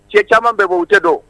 Cɛ caman bɛɛ' tɛ dɔn